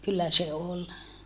kyllä se oli